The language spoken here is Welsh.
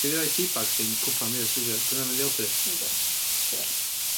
Gei di roi tea bag chdi yn cwpan fi os ti isie 'di wnna yn dy diod di? Yndi ie.